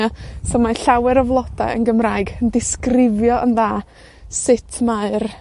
Ie? So mae llawer o floda yn Gymraeg yn disgrifio yn dda sut mae'r